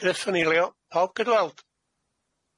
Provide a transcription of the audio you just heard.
Gruff yn eilio, pawb yn cyd-weld.